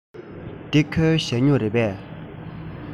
འདི ཁོའི ཞ སྨྱུག རེད པས